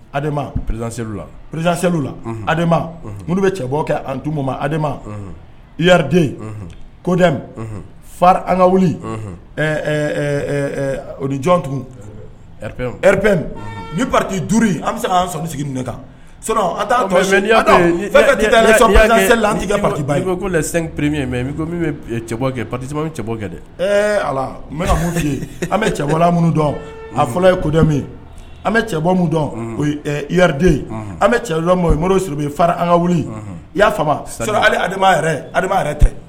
Prezser la pz la adama minnu bɛ cɛbɔ kɛ anumu ma adama iriden kodmi fara an ka wuli o nij tugunprep ni pati duuru an bɛ se sanu sigi ne kan paki ipremi ye mɛ cɛ kɛ pati bɛ cɛ kɛ dɛ ala an bɛ cɛbɔ minnu dɔn a fɔlɔ ye kodmi an bɛ cɛ bɔ oriden an bɛ cɛlɔur bɛ fari an ka wuli i y'a fa ali adama adama yɛrɛ tɛ